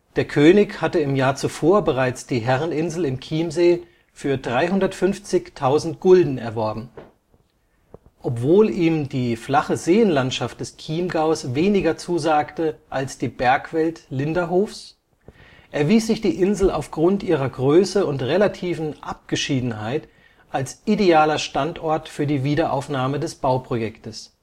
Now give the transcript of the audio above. Der König hatte im Jahr zuvor bereits die Herreninsel im Chiemsee für 350.000 Gulden erworben. Obwohl ihm die flache Seenlandschaft des Chiemgaus weniger zusagte als die Bergwelt Linderhofs, erwies sich die Insel aufgrund ihrer Größe und relativen Abgeschiedenheit als idealer Standort für die Wiederaufnahme des Bauprojektes